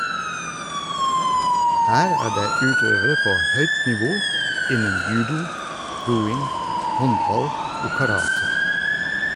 - Her er det utøvere på høyt nivå innen judo, roing, håndball og karate.